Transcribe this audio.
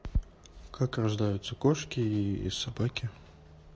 как рождаются кошки и собаки